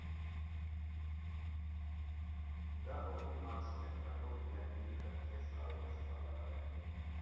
Դա հոգու կանչն է, դրանով միայն ինքդ քեզ կարող ես բավարարել։